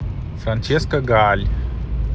франческо гааль